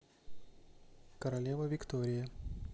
королева виктория